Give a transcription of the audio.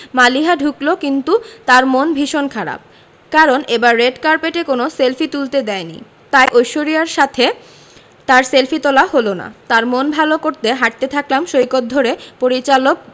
মালিহা ঢুকলো কিন্তু তার মন ভীষণ খারাপ কারণ এবার রেড কার্পেটে কোনো সেলফি তুলতে দেয়নি তাই ঐশ্বরিয়ার সাথে তার সেলফি তোলা হলো না তার মন ভালো করতে হাঁটতে থাকলাম সৈকত ধরে পরিচালক